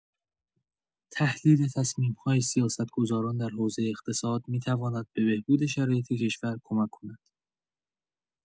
تحلیل تصمیم‌های سیاست‌گزاران در حوزه اقتصاد می‌تواند به بهبود شرایط کشور کمک کند.